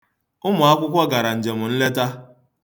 Ụmụakwụkwọ gara njem nleta.